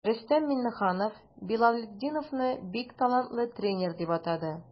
Рөстәм Миңнеханов Билалетдиновны бик талантлы тренер дип атады.